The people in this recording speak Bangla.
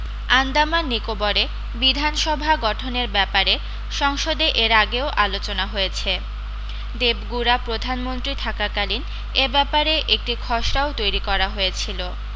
আন্দামান নিকোবরে বিধানসভা গঠনের ব্যাপারে সংসদে এর আগেও আলোচনা হয়েছে দেবগুড়া প্রধানমন্ত্রী থাকাকালীন এ ব্যাপারে একটি খসড়াও তৈরী করা হয়েছিলো